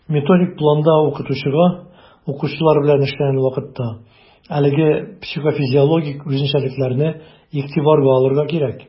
Методик планда укытучыга, укучылар белән эшләгән вакытта, әлеге психофизиологик үзенчәлекләрне игътибарга алырга кирәк.